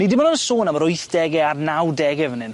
Ni dim on' yn sôn am yr wythdege a'r nawdege fyn 'yn.